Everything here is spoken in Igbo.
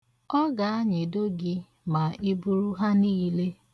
Ọ ga-anyịdo gị ma i buru ha niile.